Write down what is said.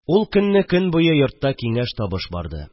Ул көнне көн буе йортта киңәш-табыш барды